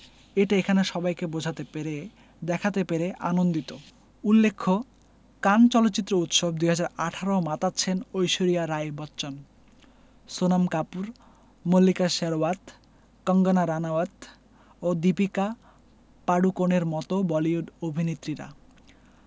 এটা এখানে সবাইকে বোঝাতে পেরে দেখাতে পেরে আনন্দিত উল্লেখ্য কান চলচ্চিত্র উৎসব ২০১৮ মাতাচ্ছেন ঐশ্বরিয়া রাই বচ্চন সোনম কাপুর মল্লিকা শেরওয়াত কঙ্গনা রানাউত ও দীপিকা পাডোকোনের মতো বলিউড অভিনেত্রীরা